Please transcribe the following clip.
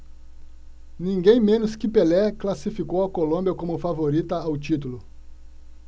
ninguém menos que pelé classificou a colômbia como favorita ao título